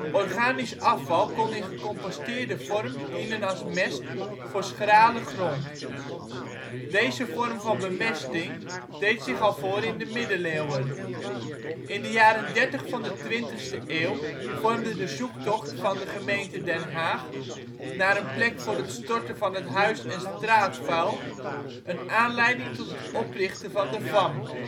Organisch afval kon in gecomposteerde vorm dienen als mest voor schrale grond. Deze vorm van bemesting deed zich al voor in de Middeleeuwen. In de de jaren dertig van de 20e-eeuw vormde de zoektocht van de gemeente Den Haag naar een plek voor het storten van het huis - en straatvuil de aanleiding voor de oprichting van de VAM